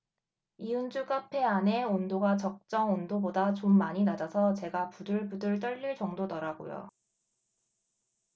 이은주 카페 안에 온도가 적정 온도보다 좀 많이 낮아서 제가 부들부들 떨릴 정도더라고요